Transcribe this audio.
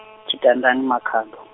Tshitandani Makhado.